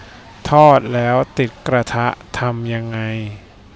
ทอดแล้วติดกระทะทำยังไง